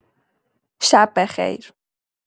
شب‌به‌خیر.